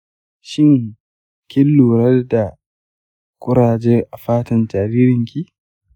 shin kin lura da kuraje a fatan jaririnki?